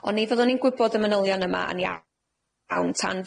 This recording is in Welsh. Oni fyddwn ni'n gwybod y manylion yma yn iawn tan